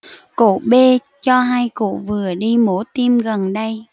cụ b cho hay cụ vừa đi mổ tim gần đây